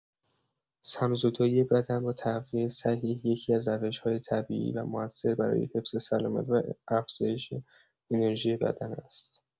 سم‌زدایی بدن با تغذیه صحیح یکی‌از روش‌های طبیعی و موثر برای حفظ سلامت و افزایش انرژی بدن است.